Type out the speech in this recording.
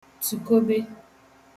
tùkobe